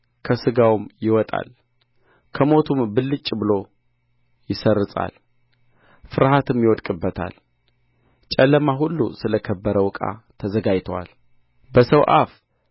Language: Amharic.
ከሥጋውም ይወጣል ከሐሞቱም ብልጭ ብሎ ይሠርጻል ፍርሃትም ይወድቅበታል ጨለማ ሁሉ ስለ ከበረው ዕቃ ተዘጋጅቶአል በሰው አፍ